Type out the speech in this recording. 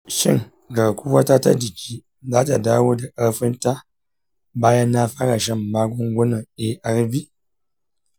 shin garkuwata ta jiki za ta dawo da ƙarfinta bayan na fara shan magungunan arv?